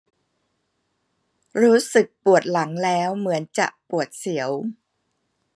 รู้สึกปวดหลังแล้วเหมือนจะปวดเสียว